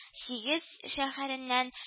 Сигез шәһәреннән